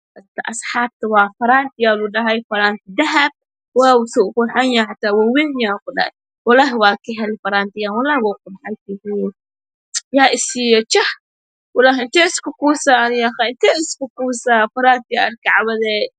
Asxaabta waa farantiya lagu dhahay waa faranti dahab ah waw suu uqurxanyahay xitaa wuu weyn yahaa ku dhahay waa kahelay farantigaan wuu qurxanyahay yaa isiiyo jah walhi intee isku kuusaa intee isku kuusaa faraatiyaa arkay caawee